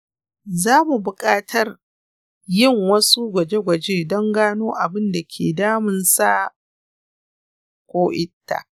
zamu buƙatar yin wasu gwaje-gwaje don gano abin da ke damun sa/ta